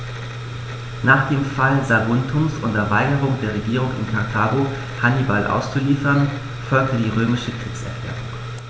Nach dem Fall Saguntums und der Weigerung der Regierung in Karthago, Hannibal auszuliefern, folgte die römische Kriegserklärung.